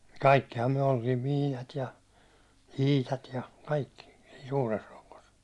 kaikkihan me oltiin Miinat ja Iitat ja kaikki siinä suuressa rokossa